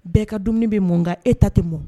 Bɛɛ ka dumuni bɛ mun nka e ta tɛ mɔ!